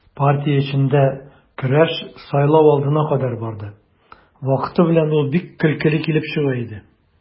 Партия эчендә көрәш сайлау алдына кадәр барды, вакыты белән ул бик көлкеле килеп чыга иде.